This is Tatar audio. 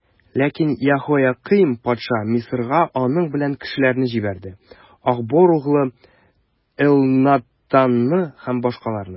Ләкин Яһоякыйм патша Мисырга аның белән кешеләрне җибәрде: Ахбор углы Элнатанны һәм башкаларны.